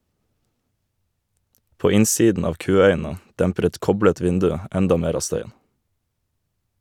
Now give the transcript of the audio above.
På innsiden av kuøynene demper et koblet vindu enda mer av støyen.